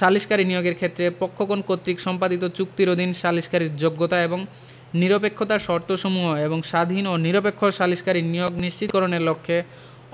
সালিসকারী নিয়োগের ক্ষেত্রে পক্ষগণ কর্তৃক সম্পাদিত চুক্তির অধীন সালিসকারীর যোগ্যতা এবং নিরপেক্ষতার শর্তসমূহ এবং স্বাধীন ও নিরপেক্ষ সালিসকারী নিয়োগ নিশ্চিতকরণের লক্ষ্যে